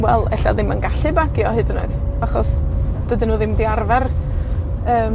wel, ella ddim yn gallu bagio hyd yn oed, achos dydyn nw ddim 'di arfar, yym,